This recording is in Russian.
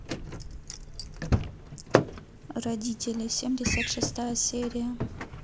родители семьдесят шестая серия